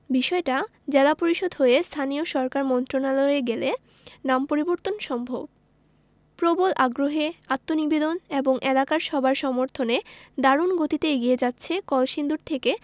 বিষয়টা জেলা পরিষদ হয়ে স্থানীয় সরকার মন্ত্রণালয়ে গেলে নাম পরিবর্তন সম্ভব প্রবল আগ্রহ আত্মনিবেদন এবং এলাকার সবার সমর্থনে দারুণ গতিতে এগিয়ে যাচ্ছে কলসিন্দুর থেকে